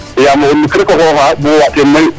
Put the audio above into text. Yaam o ndik rek o xooxaa bug o waaɗ teen mayu,